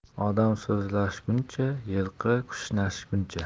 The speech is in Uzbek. odam so'zlashguncha yilqi kishnashguncha